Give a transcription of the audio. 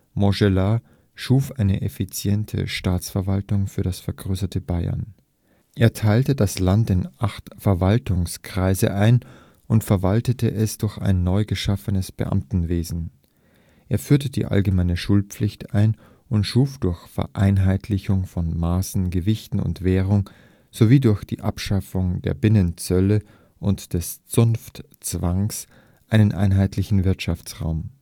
Montgelas schuf eine effiziente Staatsverwaltung für das vergrößerte Bayern. Er teilte das Land in acht Verwaltungskreise ein und verwaltete es durch ein neu geschaffenes Beamtenwesen. Er führte die allgemeine Schulpflicht ein und schuf durch Vereinheitlichung von Maßen, Gewichten und Währung sowie durch die Abschaffung der Binnenzölle und des Zunftzwangs einen einheitlichen Wirtschaftsraum